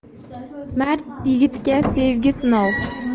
mard yigitga sevgi sinov